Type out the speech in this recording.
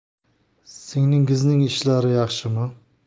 singlingizning ishlari yaxshimi